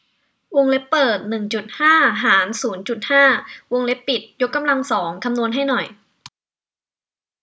วงเล็บเปิดหนึ่งจุดห้าหารศูนย์จุดห้าวงเล็บปิดยกกำลังสองคำนวณให้หน่อย